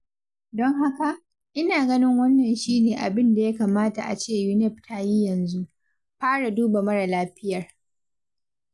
Don haka, ina ganin wannan shi ne abin da ya kamata a ce UNEP ta yi yanzu: fara duba mara lafiyar.